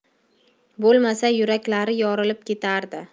bo'lmasa yuraklari yorilib ketardi